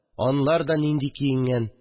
Анлар да нинди киенгән